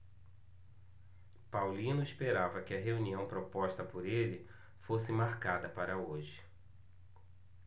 paulino esperava que a reunião proposta por ele fosse marcada para hoje